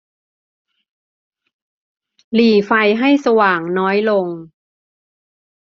หรี่ไฟให้สว่างน้อยลง